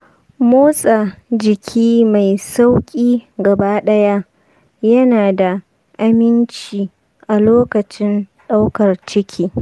motsa jiki mai sauƙi gabaɗaya yana da aminci a lokacin daukar ciki.